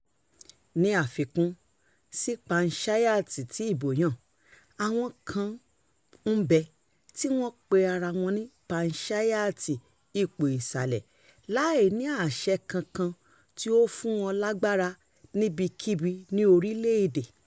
Ní àfikùn sí panchayat tí ìbó yàn, àwọn kan ńbẹ tí wọ́n pe ara wọn ní panchayat ipò-ìsàlẹ̀ láì ní àṣẹ kankan tí ó fún wọn lágbara níbikíbi ní orílẹ̀-èdè.